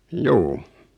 juu